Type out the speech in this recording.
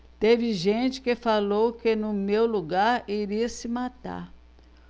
teve gente que falou que no meu lugar iria se matar